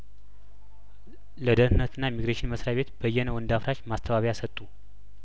ለደህንነትና ኢሚግሬሽን መስሪያቤት በየነ ወንዳ ፍራሽ ማስተባበያሰጡ